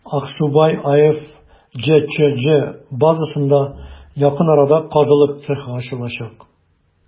«аксубай» аф» җчҗ базасында якын арада казылык цехы ачылачак.